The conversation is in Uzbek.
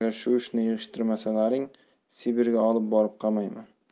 agar shu ishni yig'ishtirmasalaring sibirga olib borib qamayman